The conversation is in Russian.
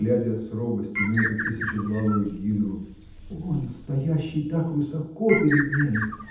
глядя с робостью на эту тысячеглавую гидру – он стоящий так высоко перед ней!.